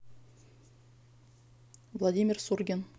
владимир сургин